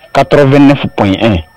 Kato bɛ nefo ko e ye